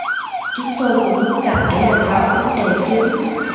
chúng tôi cũng muốn gặp để làm rõ vấn đề chứ